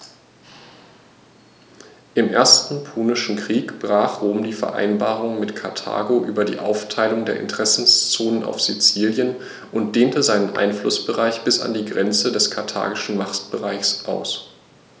Im Ersten Punischen Krieg brach Rom die Vereinbarung mit Karthago über die Aufteilung der Interessenzonen auf Sizilien und dehnte seinen Einflussbereich bis an die Grenze des karthagischen Machtbereichs aus.